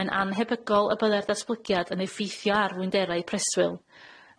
mae'n annhebygol y byddai'r ddatblygiad yn effeithio ar fwynderau preswyl.